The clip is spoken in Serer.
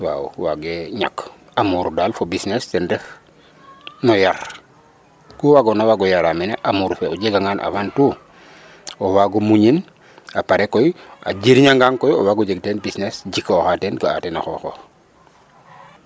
Waaw waagee ñak amour daal fo bisness teen ref no yar ku waagoona, waag o yare meen o amour fe o jegangaan avant tout o waag o muñin aprés koy a jirñangaan koy o waag o jeg teen busness jikooxa teen ga'aa teen a xooxof.